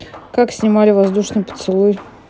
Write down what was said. как снимали воздушный поцелуй